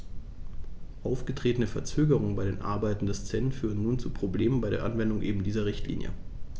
Aufgetretene Verzögerungen bei den Arbeiten des CEN führen nun zu Problemen bei der Anwendung eben dieser Richtlinie.